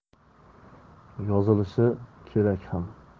yozilishi kerak ham